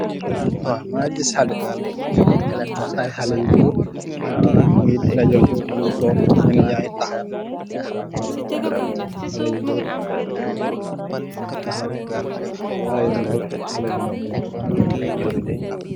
Wa mangy gis haleh, wa aiiy haleh yu barui, njungy taajah lor njungy tok njehnen yaangy takhaw wa, haleh yu bauri njungy takhaw haleh yu ndaw, haleh yu ndaw wa haleh yu ndaw yu barui njungy takhaw.